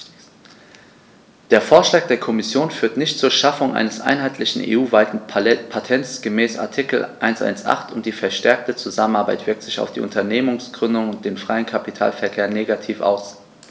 Der Vorschlag der Kommission führt nicht zur Schaffung eines einheitlichen, EU-weiten Patents gemäß Artikel 118, und die verstärkte Zusammenarbeit wirkt sich auf die Unternehmensgründung und den freien Kapitalverkehr negativ aus.